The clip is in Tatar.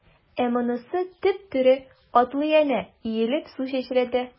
Ә монысы— теп-тере, атлый әнә, иелеп су чәчрәтә.